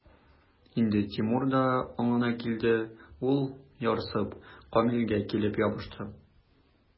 Инде Тимур да аңына килде, ул, ярсып, Камилгә килеп ябышты.